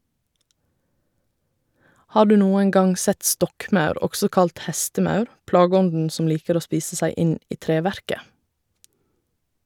Har du noen gang sett stokkmaur, også kalt hestemaur , plageånden som liker å spise seg inn i treverket?